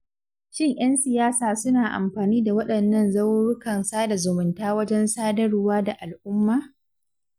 Shin 'yan siyasa suna amfani da waɗannan zaurukan sada zumunta wajen sadarwa da al'umma?